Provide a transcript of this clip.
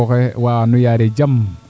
o pog oxe nu yaare jam